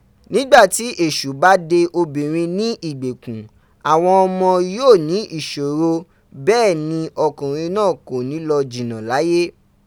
Nigbati esu ba de obinrin ni igbekun, awon omo yio ni isoro beni okunrin naa ko ni lo jina laaye.